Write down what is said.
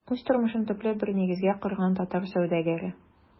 Үз тормышын төпле бер нигезгә корган татар сәүдәгәре.